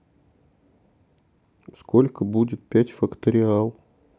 сколько будет пять факториал